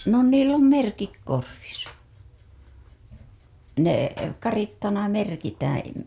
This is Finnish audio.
no niillä on merkit korvissa ne karitsana merkitään